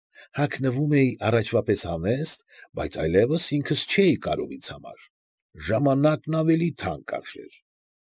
Հագնվում էի առաջվա պես համեստ, բայց այլևս ինքս չէի կարում ինձ համար. ժամանակն ավելի թանկ արժեր։